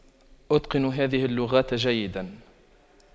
أتقن هذه اللغات جيدا